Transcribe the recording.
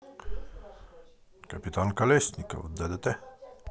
капитан колесников ддт